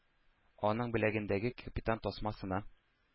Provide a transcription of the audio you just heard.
Аның беләгендәге капитан тасмасына